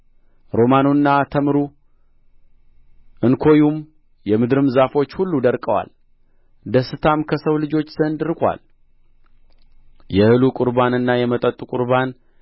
ሮማኑና ተምሩ እንኰዩም የምድርም ዛፎች ሁሉ ደርቀዋል ደስታም ከሰው ልጆች ዘንድ ርቆአል የእህሉ ቍርባንና የመጠጡ ቍርባን